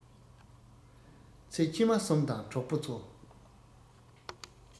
ཚེ ཕྱི མ སོམས དང གྲོགས པོ ཚོ